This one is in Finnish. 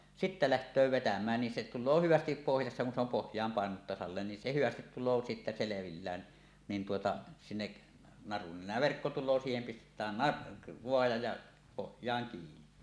sitten lähtee vetämään niin se tulee hyvästi pohjassa kun se on pohjaan painunut tasalleen niin se hyvästi tulee sitten selvillään niin tuota sinne narun nenään verkko tulee siihen pistetään - naruja ja pohjaan kiinni